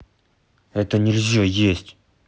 это нельзя есть